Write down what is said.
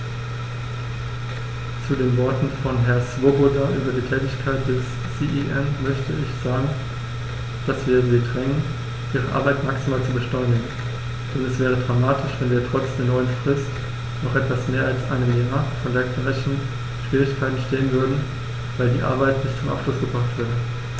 Zu den Worten von Herrn Swoboda über die Tätigkeit des CEN möchte ich sagen, dass wir sie drängen, ihre Arbeit maximal zu beschleunigen, denn es wäre dramatisch, wenn wir trotz der neuen Frist nach etwas mehr als einem Jahr vor den gleichen Schwierigkeiten stehen würden, weil die Arbeiten nicht zum Abschluss gebracht wurden.